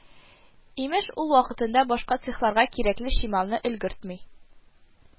Имеш, ул вакытында башка цехларга кирәкле чималны өлгертми